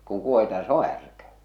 niin kun kuohitaan se on härkä